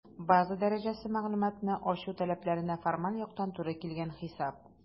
«база дәрәҗәсе» - мәгълүматны ачу таләпләренә формаль яктан туры килгән хисап.